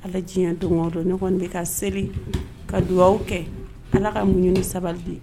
Ala diɲɛ doŋɔdon ne kɔni bɛ ka seli ka duwawu kɛ Ala ka muɲu ni sabali di